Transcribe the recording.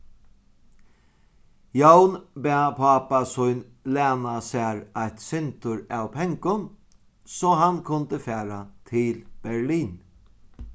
jón bað pápa sín læna sær eitt sindur av pengum so hann kundi fara til berlin